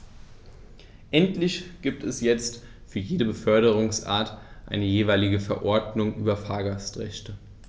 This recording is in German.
Endlich gibt es jetzt für jede Beförderungsart eine jeweilige Verordnung über Fahrgastrechte.